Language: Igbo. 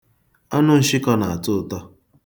Anụ nshịkọ na-atọ ụtọ.